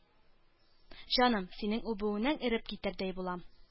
Җаным, синең үбүеңнән эреп китәрдәй булам.